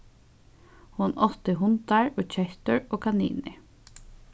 hon átti hundar og kettur og kaninir